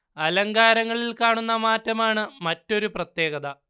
അലങ്കാരങ്ങളിൽ കാണുന്ന മാറ്റമാണ് മറ്റൊരു പ്രത്യേകത